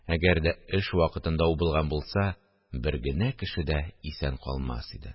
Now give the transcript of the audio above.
Әгәр дә эш вакытында убылган булса, бер генә кеше дә исән калмас иде